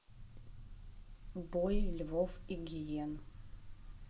бой львов и гиен